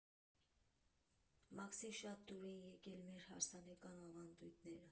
Մաքսին շատ դուր էին եկել մեր հարսանեկան ավանդույթները։